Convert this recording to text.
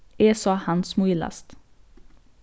eg sá hann smílast